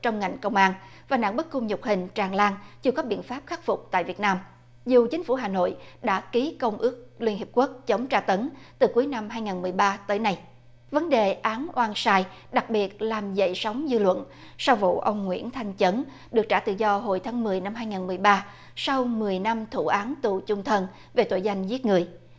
trong ngành công an và nạn bức cung nhục hình tràn lan chưa có biện pháp khắc phục tại việt nam dù chính phủ hà nội đã ký công ước liên hiệp quốc chống tra tấn từ cuối năm hai ngàn mười ba tới nay vấn đề án oan sai đặc biệt làm dậy sóng dư luận sau vụ ông nguyễn thanh chấn được trả tự do hồi tháng mười năm hai ngàn mười ba sau mười năm thụ án tù chung thân về tội danh giết người